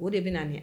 O de bɛ na